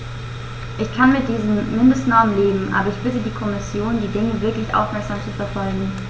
Ich kann mit diesen Mindestnormen leben, aber ich bitte die Kommission, die Dinge wirklich aufmerksam zu verfolgen.